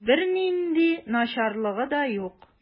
Бернинди начарлыгы да юк.